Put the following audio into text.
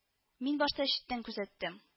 — мин башта читтән күзәттем